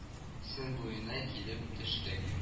Сөн буена килеп төштек